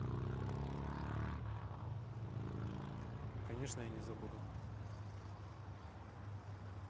конечно я не забуду